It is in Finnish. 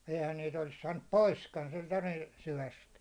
eihän niitä olisi saanut poiskaan sentään niin syvästä